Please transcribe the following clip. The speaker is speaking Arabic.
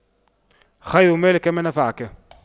خير مالك ما نفعك